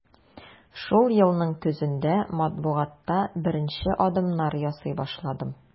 Шул елның көзендә матбугатта беренче адымнар ясый башладым.